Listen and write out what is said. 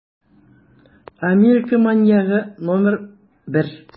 Америка маньягы № 1